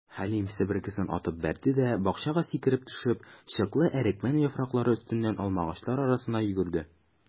Хәлим, себеркесен атып бәрде дә, бакчага сикереп төшеп, чыклы әрекмән яфраклары өстеннән алмагачлар арасына йөгерде.